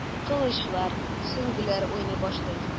Кылычлар, сөңгеләр уйный башлый.